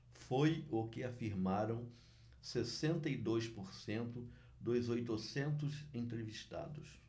foi o que afirmaram sessenta e dois por cento dos oitocentos entrevistados